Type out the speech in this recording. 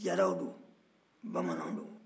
jaraw don bamananw don